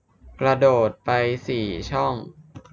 กระโดดไปสี่ช่อง